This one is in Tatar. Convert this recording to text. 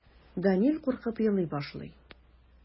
Данил куркып елый башлый.